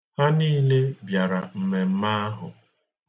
Ha niile bịara mmemme ahụ.